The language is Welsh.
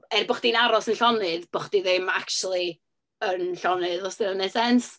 Er bo' chdi'n aros yn llonydd, bo' chdi ddim acshyli yn llonydd, os 'di hynna'n wneud sens.